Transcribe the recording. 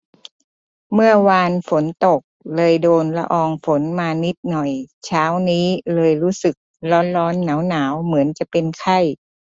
เมื่อวานฝนตกเลยโดนละอองฝนมานิดหน่อยเช้านี้เลยรู้สึกร้อนร้อนหนาวหนาวเหมือนจะเป็นไข้